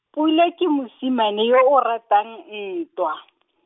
Pule ke mosimane yo o ratang ntwa .